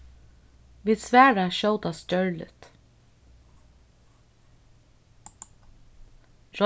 vit svara skjótast gjørligt